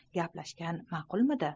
gaplashgan maqulmidi